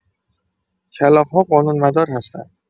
کلاغ‌ها قانون‌مدار هستند.